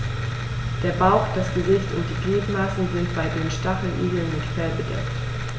Der Bauch, das Gesicht und die Gliedmaßen sind bei den Stacheligeln mit Fell bedeckt.